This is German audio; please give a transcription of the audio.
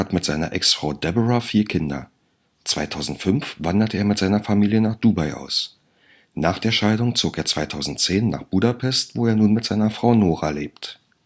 mit seiner Ex-Frau Deborah vier Kinder. 2005 wanderte er mit seiner Familie nach Dubai aus. Nach der Scheidung zog er 2010 nach Budapest, wo er nun mit seiner Frau Nora lebt. Peter